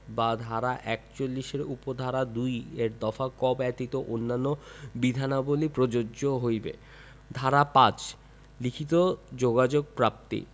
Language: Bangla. বা ধারা ৪১ এর উপ ধারা ২ এর দফা ক ব্যতীত অন্যান্য বিধানাবলী প্রযোজ্য হইবে ধারা ৫ লিখিত যোগাযোগের প্রাপ্তি